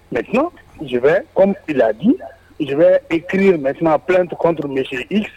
Mɛt laadi i kiiriri mɛtina plɛ tun kɔntomesse